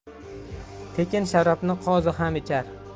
tekin sharobni qozi ham ichar